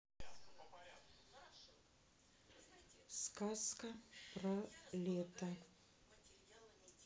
сказка про лето